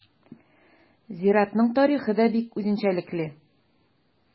Зиратның тарихы да бик үзенчәлекле.